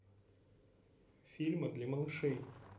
фильмы для малышей